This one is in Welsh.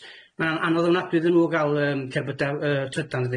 Ma'n anodd ofnadwy iddyn nw ga'l yym cerbyda yy trydan, yn dydi?